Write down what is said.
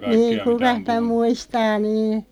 niin kukas niitä muistaa niin